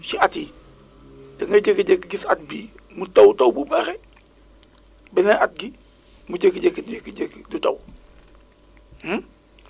si at yi da ngay jékki jékki gis at bii mu taw taw bu bëre beneen at gi mu jékki-jékki jékki-jékki du taw